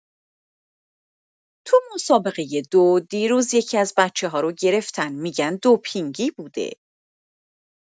تو مسابقه دو دیروز یکی‌از بچه‌ها رو گرفتن، می‌گن دوپینگی بوده!